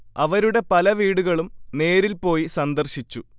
അവരുടെ പല വീടുകളും നേരിൽ പോയി സന്ദര്‍ശിച്ചു